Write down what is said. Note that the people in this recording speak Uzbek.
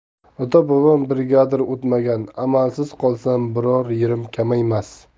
ota bobom brigadir o'tmagan amalsiz qolsam biror yerim kamaymas